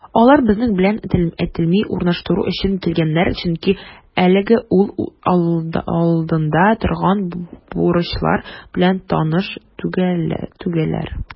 Алар безнең белән элемтә урнаштыру өчен килгәннәр, чөнки әлегә үз алдында торган бурычлар белән таныш түгелләр.